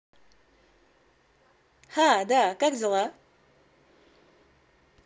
ха да как дела